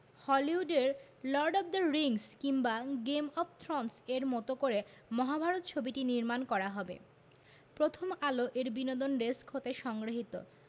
হলিউডের Lord of the Rings কিংবা Game of Thrones এর মতো করে মহাভারত ছবিটি নির্মাণ করা হবে প্রথমআলো এর বিনোদন ডেস্ক হতে সংগৃহীত